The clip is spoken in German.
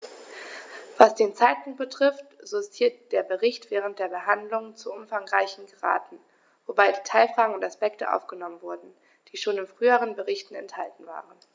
Was den Zeitpunkt betrifft, so ist hier der Bericht während der Behandlung zu umfangreich geraten, wobei Detailfragen und Aspekte aufgenommen wurden, die schon in früheren Berichten enthalten waren.